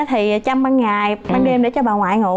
thì chăm ban ngày ban đêm để cho bà ngoại ngủ